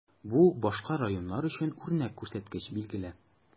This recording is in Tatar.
Бу башка районнар өчен үрнәк күрсәткеч, билгеле.